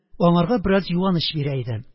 Аңарга бераз юаныч бирә иде.